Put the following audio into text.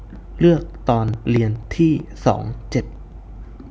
เลือกตอนเรียนที่สองเจ็ด